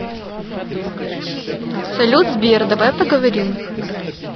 салют сбер давай поговорим